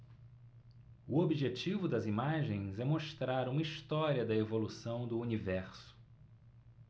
o objetivo das imagens é mostrar uma história da evolução do universo